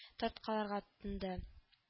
Тарткаларга тотынды